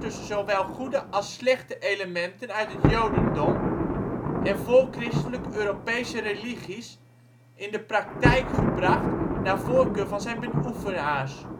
zowel goede als slechte elementen uit het jodendom en voor-christelijke Europese religies, in de praktijk gebracht naar voorkeur van zijn beoefenaars